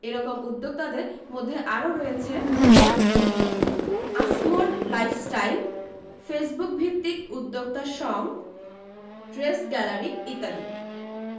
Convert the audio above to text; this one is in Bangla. এ রকম উদ্যোক্তাদের মধ্যে আরও রয়েছে আসমোর লাইফস্টাইল ফেসবুকভিত্তিক উদ্যোক্তা সঙ ড্রেস গ্যালারি ইত্যাদি